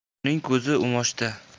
o'g'rining ko'zi o'mochda